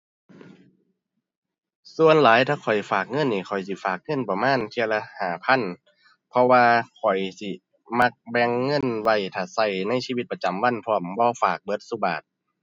ส่วนหลายถ้าข้อยฝากเงินนี่ ข้อยสิฝากเงินประมาณเที่ยละห้าพัน เพราะว่าข้อยสิมักแบ่งเงินไว้ท่าใช้ในชีวิตประจำวันพร้อม บ่ฝากเบิดซุบาท